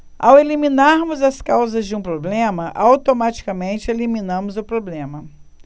ao eliminarmos as causas de um problema automaticamente eliminamos o problema